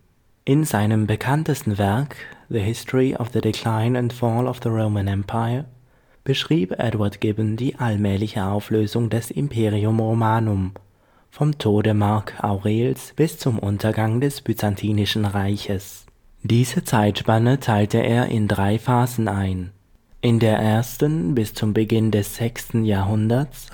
In seinem bekanntesten Werk The History of the Decline and Fall of the Roman Empire beschrieb Edward Gibbon die allmähliche Auflösung des Imperium Romanum vom Tode Mark Aurels bis zum Untergang des Byzantinischen Reiches. Diese Zeitspanne teilte er in drei Phasen ein. In der ersten, bis zum Beginn des sechsten Jahrhunderts